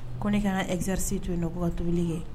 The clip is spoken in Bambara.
Ko ne ka ŋa exercice to yen nɔ ko ka tobili kɛ